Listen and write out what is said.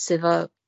sy 'fo